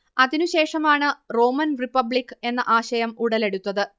അതിനു ശേഷമാണ് Roman republic എന്ന ആശയം ഉടലെടുത്തത്